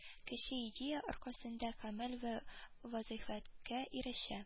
Кеше идея аркасында кәмаль вә фазыйләткә ирешә